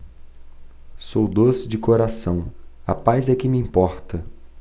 sou doce de coração a paz é que me importa